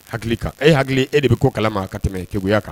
Hakili kan, e hakili e de bɛ ko kalama ka tɛmɛ kekuya kan